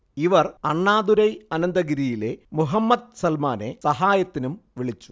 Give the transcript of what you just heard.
ഇവർ അണ്ണാദുരൈ അനന്തഗിരിയിലെ മുഹമ്മദ് സൽമാനെ സഹായത്തിനും വിളിച്ചു